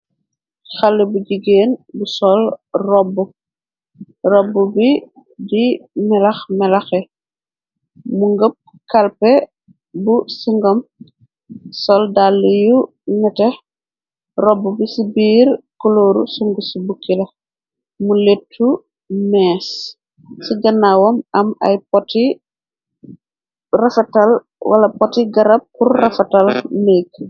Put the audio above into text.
Xale bu jigeen bu sol robbu, robbu bi de melexmelexi, mu ngem kalpe bu singom, sol daale yu nete, robbu bi si biir kulor ri sungusi bukki la, mu leetu mees, si gannaawam am ay poti rafetal wala poti garab pur rafetal neeg.